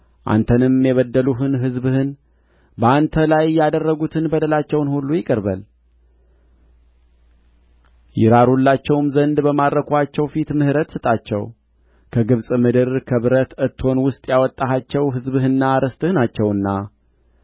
አንተንም የበደሉህን ሕዝብህን በአንተም ላይ ያደረጉትን በደላቸውን ሁሉ ይቅር በል ይራሩላቸውም ዘንድ በማረኩአቸው ፊት ምሕረት ስጣቸው ከግብፅ ምድር ከብረት እቶን ውስጥ ያወጣሃቸው ሕዝብህና ርስትህ ናቸውና